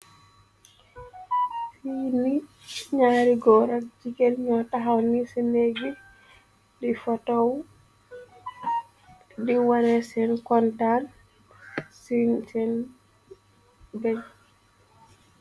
Fii ni ñyaari goor ak jigéen ño taxaw ni cen nek di fotowu di wane sen kontaan ce sen beg.